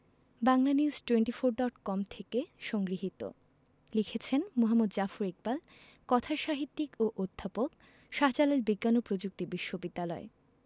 Banglanews twenty four dot com থেকে সংগৃহীত লিখেছেন মুহাম্মদ জাফর ইকবাল কথাসাহিত্যিক ও অধ্যাপক শাহজালাল বিজ্ঞান ও প্রযুক্তি বিশ্ববিদ্যালয়